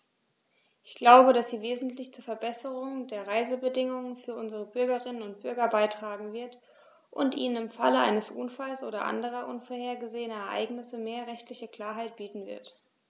Ich glaube, dass sie wesentlich zur Verbesserung der Reisebedingungen für unsere Bürgerinnen und Bürger beitragen wird, und ihnen im Falle eines Unfalls oder anderer unvorhergesehener Ereignisse mehr rechtliche Klarheit bieten wird.